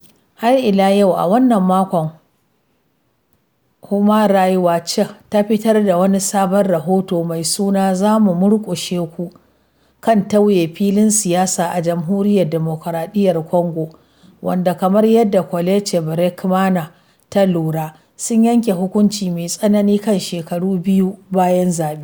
Har ila yau a wannan makon, Human Rights Watch ta fitar da wani sabon rahoto mai suna “Za mu murƙushe ku”, kan tauye filin siyasa a Jamhuriyar Demokaradiyyar Kongo, wanda kamar yadda Colette Braeckman ta lura “sun yanke hukunci mai tsanani kan shekaru biyu bayan zaɓe”.